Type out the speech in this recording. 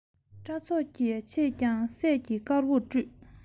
སྐྲ ཚོགས ཀྱི ཕྱེད ཀྱང སད ཀྱིས དཀར བོར བཀྲུས